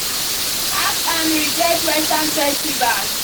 Act and reject Western festivals.